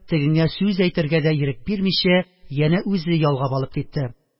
Тегеңә сүз әйтергә дә ирек бирмичә, янә үзе ялгап алып китте